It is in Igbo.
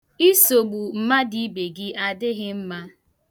Isogbu mmadu ibe gị adịghị mma.